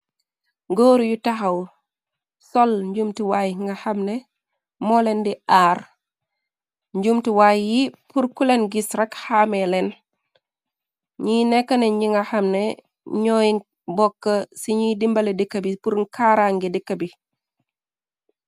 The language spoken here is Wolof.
Góor yu taxaw sol njumtiwaay nga xamne moo leen di aar njumtiwaay yi pur kuleen gis rak xaameeleen ñiy nekkneñ ñi nga xamne ñooy bokk ci ñuy dimbale dikka bi pur kaarangi dikka bi.